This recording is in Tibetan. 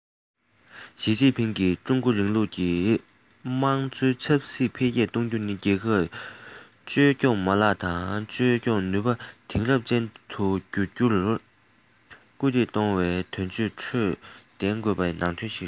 ཞིས ཅིན ཕིང གིས སྤྱི ཚོགས རིང ལུགས ཀྱི དམངས གཙོ ཆབ སྲིད འཕེལ རྒྱས གཏོང རྒྱུ ནི རྒྱལ ཁབ བཅོས སྐྱོང མ ལག དང བཅོས སྐྱོང ནུས པ དེང རབས ཅན དུ འགྱུར རྒྱུར སྐུལ འདེད གཏོང བའི བརྗོད དོན ཁྲོད ལྡན དགོས པའི ནང དོན ཞིག རེད